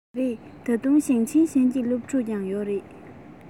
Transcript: མ རེད ད དུང ཞིང ཆེན གཞན གྱི སློབ ཕྲུག ཡོད རེད